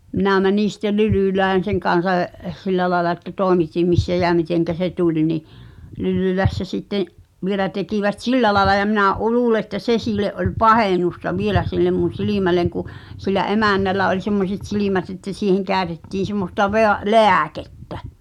minä menin sitten Lylylään sen kanssa - sillä lailla että toimitin missä ja miten se tuli niin Lylylässä sitten vielä tekivät sillä lailla ja minä - luulen että se sille oli pahennusta vielä sille minun silmälleni kun sillä emännällä oli semmoiset silmät että siihen käytettiin semmoista - lääkettä